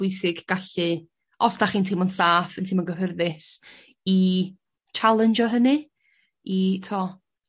bwysig gallu os dach chi'n timlo'n saff yn timlo'n gyffyrddus i challengeio hynny i t'o'